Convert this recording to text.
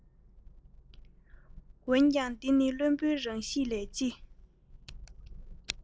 འོན ཀྱང འདི ནི བླུན པོའི རང གཤིས ལས ཅི